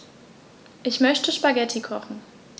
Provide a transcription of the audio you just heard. Ich möchte Spaghetti kochen.